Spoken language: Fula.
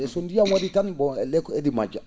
e so ndiyam wa?ii tan bon ellee ko e?i majja